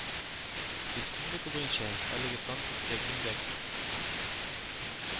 Республика буенча әлеге сан күпкә кимрәк